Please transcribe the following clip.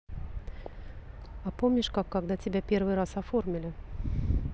а помнишь как когда тебя первый раз оформили